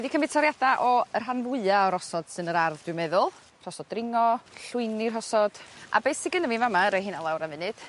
dwi 'di cymyd toriada o y rhan fwya o rosod sy yn yr ardd dwi meddwl rhosod dringo llwyni rhosod a be' sy gynno fi y' fa' 'ma roi hynna lawr am munud